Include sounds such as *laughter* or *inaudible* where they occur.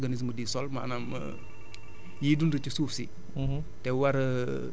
parce que *hesitation* les micro organismes du sol maanaam *noise* yiy dunc ci suuf si